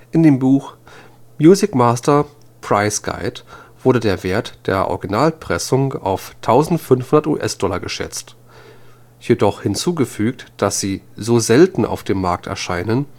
In dem Buch Music Master Price Guide wurde der Wert der Originalpressungen auf 1500 US-Dollar geschätzt, jedoch hinzugefügt, dass sie „ so selten auf dem Markt erscheinen